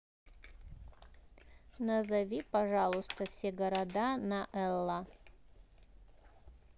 назови пожалуйста все города на элла